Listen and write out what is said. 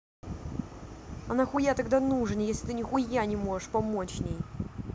а нахуя тогда нужен если ты нихуя не можешь помочь ней